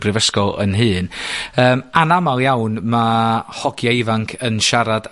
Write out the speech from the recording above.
brifysgol 'yn hun. Yym anamal iawn ma' hogie ifanc yn siarad